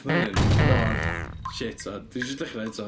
Ma' hyn yn mor shit a dwi isio dechrau eto.